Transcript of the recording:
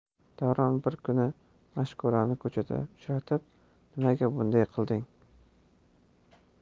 davron bir kuni mashkurani ko'chada uchratib nimaga bunday qilding